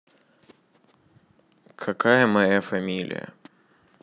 какая моя фамилия